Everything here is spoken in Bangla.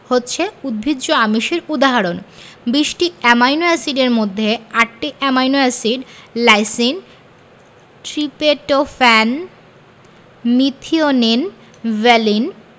হচ্ছে উদ্ভিজ্জ আমিষের উদাহরণ ২০টি অ্যামাইনো এসিডের মধ্যে ৮টি amino acid lysine tryptophan methionine valine